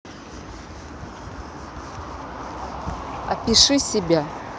опиши себя